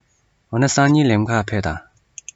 འོ ན སང ཉིན ལེན ག ཕེབས དང